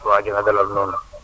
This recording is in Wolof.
waa ji nga dalal noonu